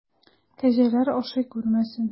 Кәҗәләр ашый күрмәсен!